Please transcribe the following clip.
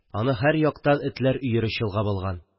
Аны һәр яктан этләр өере чолгап алган.